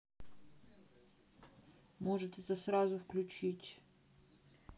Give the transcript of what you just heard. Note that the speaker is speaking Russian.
может это сразу включить